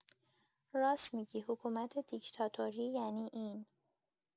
راست می‌گی حکومت دیکتاتوری یعنی این